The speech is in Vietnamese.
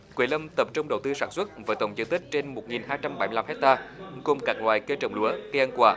quế lâm tập trung đầu tư sản xuất với tổng diện tích trên một nghìn hai trăm bảy mươi lăm héc ta gồm các loại cây trồng lúa cây ăn quả